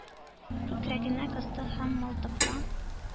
Күкрәгенә кысты һәм мылтыкка